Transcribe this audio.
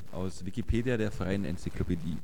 aus Wikipedia, der freien Enzyklopädie